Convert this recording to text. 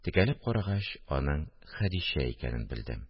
Текәлеп карагач, аның Хәдичә икәнен белдем